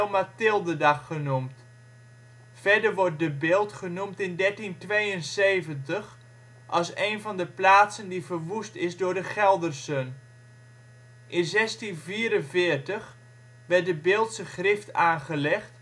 Mathildedag genoemd. Verder wordt De Bilt genoemd in 1372, als een van de plaatsen die verwoest is door de Geldersen. In 1644 werd de Biltse Grift aangelegd